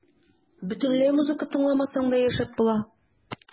Бөтенләй музыка тыңламасаң да яшәп була.